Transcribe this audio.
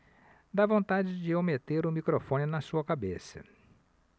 dá vontade de eu meter o microfone na sua cabeça